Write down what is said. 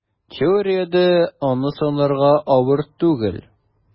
Теориядә аны санарга авыр түгел: